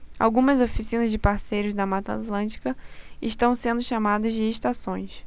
algumas oficinas de parceiros da mata atlântica estão sendo chamadas de estações